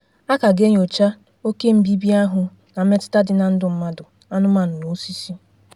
A ka ga-enyocha oke mbibi ahụ na mmetụta dị na ndụ mmadụ, anụmanụ na osisi.